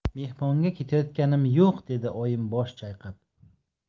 mehmonga ketayotganim yo'q dedi oyim bosh chayqab